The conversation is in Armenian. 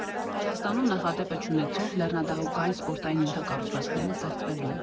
Հայաստանում նախադեպը չունեցող լեռնադահուկային սպորտային ենթակառուցվածքներ են ստեղծվելու։